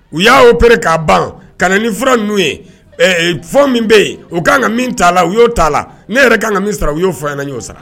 U y'a opéré k'a ban, ka na ni fura ninnu ye, ɛɛ, fɛn min bɛ yen, u ka kan ka min t'a la, u y'o ta , ne ka kaan nka min ta fɔ min bɛ yen u ka kan ka min t'a la, u y'o t'a la , ne yɛrɛ kan ka min sara u y' fana y'o sara.